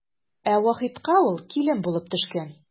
Ә Вахитка ул килен булып төшкән.